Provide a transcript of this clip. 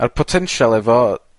A'r potensial efo